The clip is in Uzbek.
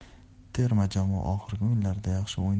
terma jamoa oxirgi o'yinlarda yaxshi